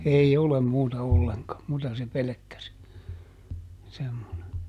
ei ole muuta ollenkaan muuta se pelkkä se semmoinen